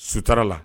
Suta la